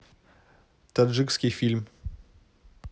таджикский фильм